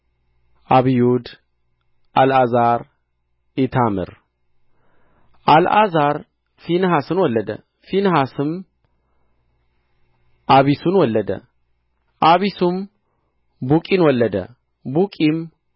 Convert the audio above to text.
አብዮድ አልዓዛር ኢታምር አልዓዛር ፊንሐስን ወለደ ፊንሐስ አቢሱን ወለደ አቢሱም ቡቂን ወለደ ቡቂም